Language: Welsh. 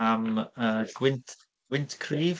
Am y gwynt, gwynt cryf.